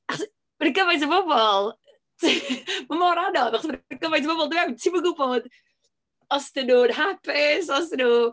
Achos mae 'na gymaint o bobl... ma' mor anodd achos mae 'na gymaint o bobl yn dod mewn, ti'm yn gwybod os 'dyn nhw'n hapus, os 'dyn nhw...